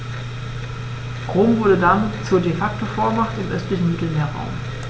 Rom wurde damit zur ‚De-Facto-Vormacht‘ im östlichen Mittelmeerraum.